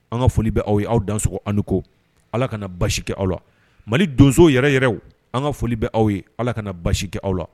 An ka foli bɛ aw ye aw dan sɔgɔ ani ko ala kana basi kɛ aw la mali donso yɛrɛ yɛrɛw an ka foli bɛ aw ye ala kana basi kɛ aw la